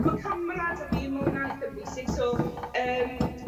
Ma' camra 'da fi ma' wnna'n itha bwysig so yym